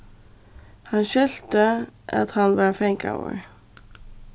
hann skilti at hann var fangaður